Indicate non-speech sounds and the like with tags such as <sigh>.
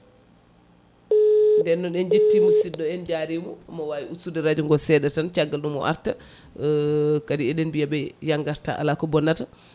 nden noon en jetti musiɗɗo en jaarimo omo wawi ustude radio ngo seeɗa tan caggal ɗum o arta <hesitation> kadi eɗen mbiyaɓe ya garta alako bonnata